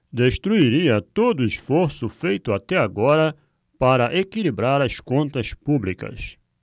destruiria todo esforço feito até agora para equilibrar as contas públicas